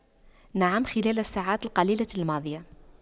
نعم خلال الساعات القليلة الماضية